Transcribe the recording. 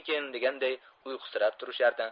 deganday uyqusirab turishardi